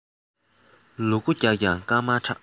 ལུ གུ རྒྱགས ཀྱང རྐང མར ཁྲག